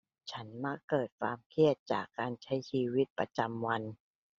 ฉันมักเกิดความเครียดจากการใช้ชีวิตประจำวัน